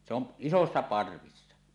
se on isoissa parvissa